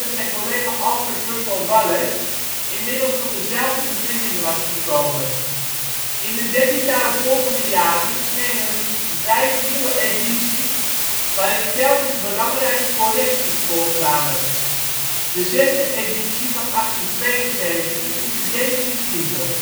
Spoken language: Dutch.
zijn collega Alfred Russel Wallace inmiddels tot dezelfde bevindingen was gekomen. In de dertien daaropvolgende jaren verschenen liefst vijf nieuwe edities waarin telkens belangrijke correcties voorkwamen. De zesde editie van 1872 is de definitieve